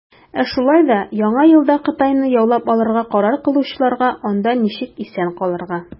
Ә шулай да Яңа елда Кытайны яулап алырга карар кылучыларга, - анда ничек исән калырга.